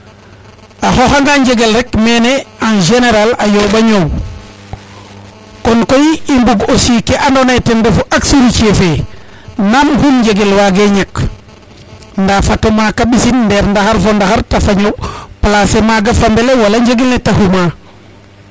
o xoxa nga njegel rek mene en général a yomba ñoow kon koy i mbug aussi ke andonaye ten refu axe routier fe nam xum njegel wage ñak nda fato maka mbisin ndeer ndaxar fo ndaxar te faño placer maga fambele wala njegel ne te xuma